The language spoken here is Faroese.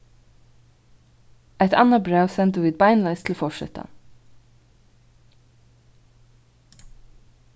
eitt annað bræv sendu vit beinleiðis til forsetan